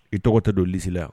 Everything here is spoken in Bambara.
I tɔgɔ tɛ don lisiya yan